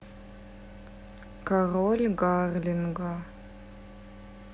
король гарлинга